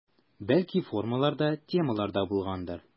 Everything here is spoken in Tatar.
Бәлки формалар да, темалар да булгандыр.